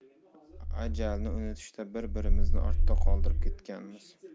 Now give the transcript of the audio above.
ajalni unutishda bir birimizni ortda qoldirib ketganmiz